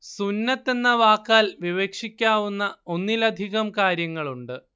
സുന്നത്തെന്ന വാക്കാൽ വിവക്ഷിക്കാവുന്ന ഒന്നിലധികം കാര്യങ്ങളുണ്ട്